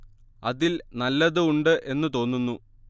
അതിൽ നല്ലത് ഉണ്ട് എന്ന് തോന്നുന്നു